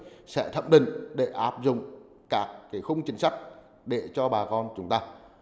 sẽ thẩm định để áp dụng các khung chính sách để cho bà con chúng ta